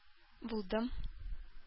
Булдым